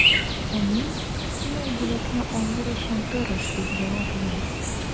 Ә мин, син ул бүләкне алыр өчен тырыш, дип җаваплыйм.